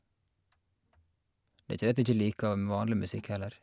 Det er ikke det at ikke jeg liker m vanlig musikk heller.